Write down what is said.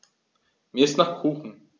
Mir ist nach Kuchen.